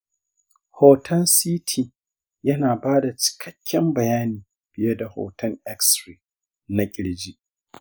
hoton ct yana ba da cikakken bayani fiye da hoton x-ray na ƙirji.